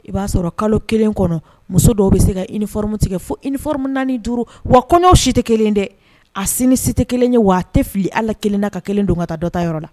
I b'a sɔrɔ kalo 1 kɔnɔ muso dɔw bɛ se ka uniforme tigɛ fo uniforme 4, 5 wa kɔɲɔ si tɛ 1 ye dɛ a si ni si tɛ 1 ye wa a tɛ fili al'a 1 na ka 1 don ka taa dɔ ta yɔrɔ la